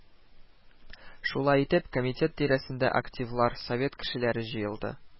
Шулай итеп, комитет тирәсенә активлар, совет кешеләре җыелды